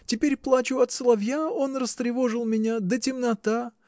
Теперь плачу от соловья: он растревожил меня, да темнота.